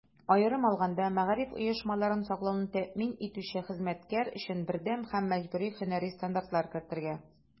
Аерым алганда, мәгариф оешмаларын саклауны тәэмин итүче хезмәткәр өчен бердәм һәм мәҗбүри һөнәри стандартлар кертергә.